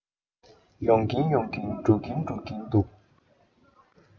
ཡོང གིན ཡོང གིན འགྲོ གིན འགྲོ གིན འདུག